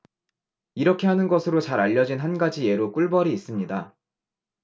이렇게 하는 것으로 잘 알려진 한 가지 예로 꿀벌이 있습니다